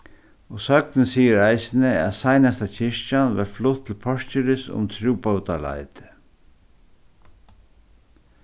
og søgnin sigur eisini at seinasta kirkjan varð flutt til porkeris um trúbótarleitið